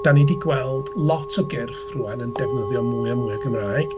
Dan ni 'di gweld lot o gyrff rŵan yn defnyddio mwy a mwy o Gymraeg.